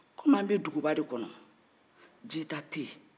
komi an bɛ duguba de kɔnɔ jita tɛ yen